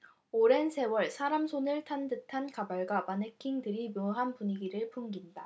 오랜 세월 사람 손을 탄 듯한 가발과 마네킹들이 묘한 분위기를 풍긴다